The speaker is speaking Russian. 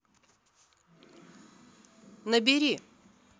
набери